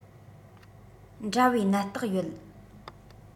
འདྲ བའི ནད རྟགས ཡོད